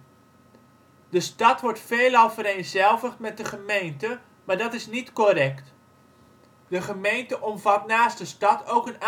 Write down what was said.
stad wordt veelal vereenzelvigd met de gemeente, maar dat is niet correct. De gemeente omvat naast de stad ook